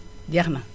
jeex na